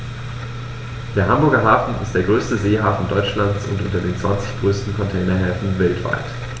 Der Hamburger Hafen ist der größte Seehafen Deutschlands und unter den zwanzig größten Containerhäfen weltweit.